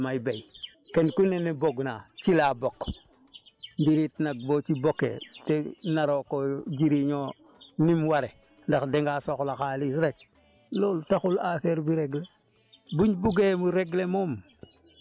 bu jotee rek kenn ku ne ñëw ne man damay béy kenn ku ne ne bëgg naa ci laa bokk mbir it nag boo ci bokkee te naroo koo jëriñoo ni mu waree ndax dangaa soxla xaalis rek loolu taxul affaire bi régler